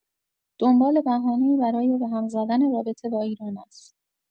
دنبال بهانه‌ای برای به هم زدن رابطه با ایران است!